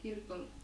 kirkolle